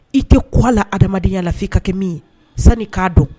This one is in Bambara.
I te kun a la adamadenya la f'i ka kɛ min ye san'i k'a dɔn